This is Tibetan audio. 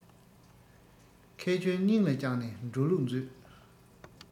ཁེ གྱོང སྙིང ལ བཅངས ནས འགྲོ ལུགས མཛོད